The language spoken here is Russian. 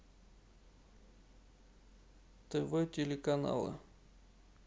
тв телеканалы